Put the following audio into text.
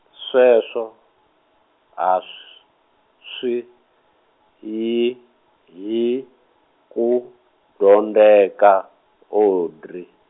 sweswo, a s-, swi, yi hi ku dyondzeka, Audrey.